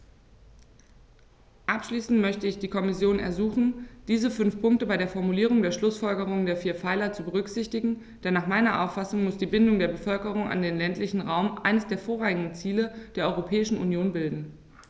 Abschließend möchte ich die Kommission ersuchen, diese fünf Punkte bei der Formulierung der Schlußfolgerungen der vier Pfeiler zu berücksichtigen, denn nach meiner Auffassung muss die Bindung der Bevölkerung an den ländlichen Raum eines der vorrangigen Ziele der Europäischen Union bilden.